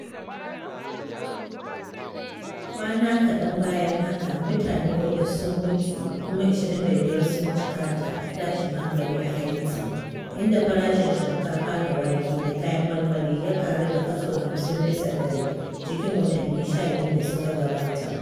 Kwana kaɗan bayan haka, mutane huɗu sun mutu kuma 25 sun jikkata a tashin hankali a Haiti, inda farashin shinkafa da wake da kayan marmari ya ƙaru da 50% cikin watanni 12 da suka gabata.